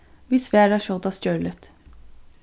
vit svara skjótast gjørligt